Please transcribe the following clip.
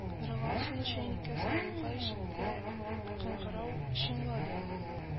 Рылган суны чәйнеккә салуга, ишектә кыңгырау чыңлады